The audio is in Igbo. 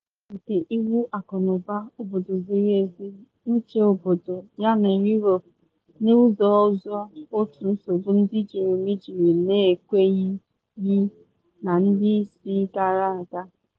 Na mkpa nke iwu akụnụba obodo ziri ezi, nche obodo, yana Europe, n’ụzọ ọzọ otu nsogbu ndị Jeremy jiri na ekwenyeghị na ndị isi gara aga.